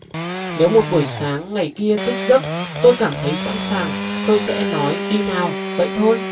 nếu một buổi sáng ngày kia thức giấc tôi cảm thấy sẵn sàng tôi sẽ nói đi nào vậy thôi